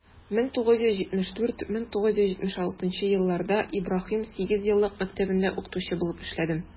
1974 - 1976 елларда ибраһим сигезьеллык мәктәбендә укытучы булып эшләдем.